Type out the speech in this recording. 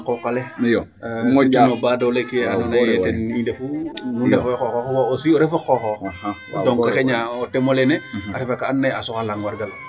Surtout a qooq ale surtout no baadoole ke andoona yee ten i ndefu nu ndefo qooxoox ole aussi o refo qooxoox donc xayna o thème o leene a refakaa andoona yee a soxalang wargal .